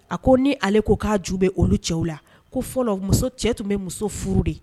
A ko ni ale ko ka ju be olu cɛw la, ko fɔlɔ muso cɛ tun be muso furu de